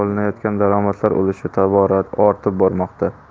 olinayotgan daromadlar ulushi toboraortib bormoqda